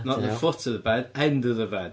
Not the foot of the bed, end of the bed.